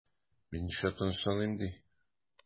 Мин нишләп тынычланыйм ди?